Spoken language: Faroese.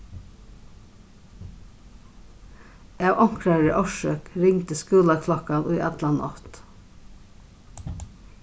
av onkrari orsøk ringdi skúlaklokkan í alla nátt